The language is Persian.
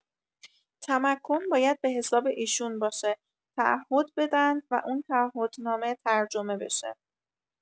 تمکن باید به‌حساب ایشون باشه تعهد بدند و اون تعهدنامه ترجمه بشه.